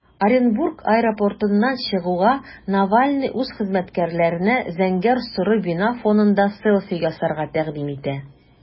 Оренбург аэропортыннан чыгуга, Навальный үз хезмәткәрләренә зәңгәр-соры бина фонында селфи ясарга тәкъдим итә.